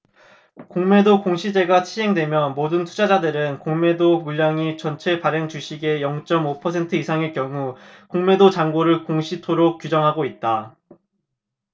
공매도 공시제가 시행되면 모든 투자자들은 공매도 물량이 전체 발행주식의 영 쩜 오 퍼센트 이상일 경우 공매도 잔고를 공시토록 규정하고 있다